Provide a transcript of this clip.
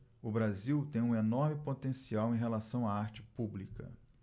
o brasil tem um enorme potencial em relação à arte pública